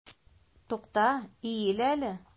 Күзәнәкнең иң әһәмиятле өлеше - төш.